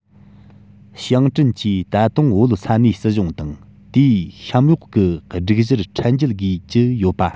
ཞིང བྲན གྱིས ད དུང བོད ས གནས སྲིད གཞུང དང དེའི གཤམ འོག གི སྒྲིག གཞིར ཁྲལ འཇལ དགོས ཀྱི ཡོད པ